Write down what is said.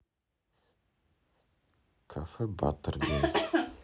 кафе баттербин